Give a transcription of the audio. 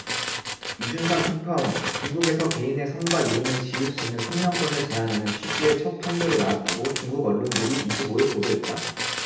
이준삼 특파원 중국에서 개인의 성과 이름을 지을 수 있는 성명권을 제한하는 취지의 첫 판결이 나왔다고 중국언론들이 이십 오 일 보도했다